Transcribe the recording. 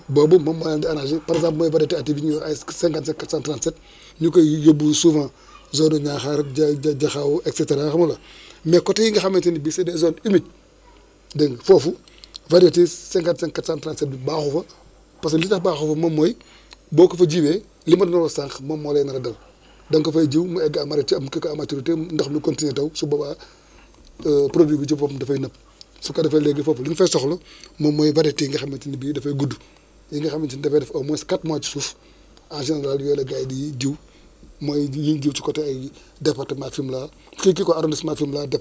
boobu moom moo leen di arrangé parfopis mooy variété active bi ñuy wax ay 55 437 ñu koy yóbbu souvent zone nu Niakhare Dia Diakha et cetera xam nga lu ma wax mais côté yi nga xamante ne bi c' est des zones humides dégg nga foofu variété 55 437 bi baaxu fa parce que li tax baaxu fa moom mooy boo ko fa jiwee li ma la doon wax sànq moom moo lay nar a dal da nga ko fay jiw mu kii à maturité ndox bi continué taw su boobaa produit bi ci boppam dafay nëb su ko defee léegi foofu li ñu fay soxla moom mooy variété yi nga xamante ne bi dafay gudd yi nga xamante ne dafay def au moins quatre mois ci suuf en général yooyu la gars yi di jiw mooy yiñ jiw ci côté ay département Fimela xëy kii ko arrondissement Fimela